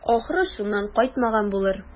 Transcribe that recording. Ахры, шуннан кайтмаган булыр.